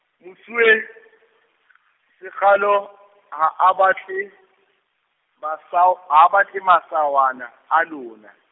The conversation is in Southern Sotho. mosuwe, Sekgalo ha a batle, masaw-, ha a batle masawana a lona.